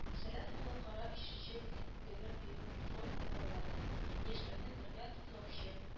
“сәләт” халыкара өченче беле белем бирү форумы балаларны, яшьләрне бергә туплаучы